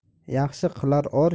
yaxshi qilar or